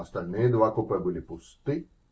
Остальные два купе были пусты.